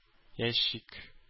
Ящик